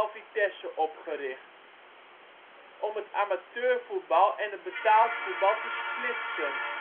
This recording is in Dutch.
Vitesse opgericht, om het amateurvoetbal en het betaald voetbal te splitsen